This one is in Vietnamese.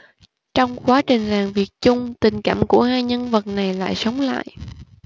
trong quá trình làng việc chung tình cảm của hai nhân vật này lại sống lại